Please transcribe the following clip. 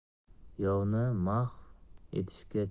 yovni mahv etishga